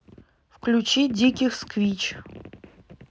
включи диких сквич